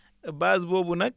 base boobu nag